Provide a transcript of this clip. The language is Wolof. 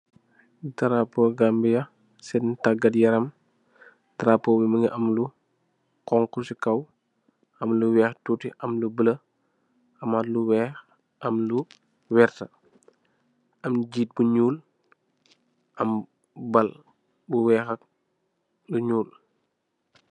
darapo gambia, darapo mingi am lo xongo ci kaw am lo weex tuti am lo bule ammat lo weex am lo wert am jeet bu nuul am ball bu weex ak lo nuul.